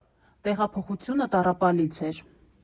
Տեղափոխությունը տառապալից էր։